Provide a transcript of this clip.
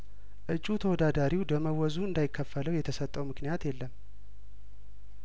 እጩ ተወዳዳሪው ደመወዙ እንዳይከፈለው የተሰጠው ምክንያት የለም